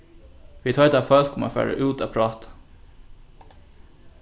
vit heita fólk um at fara út at práta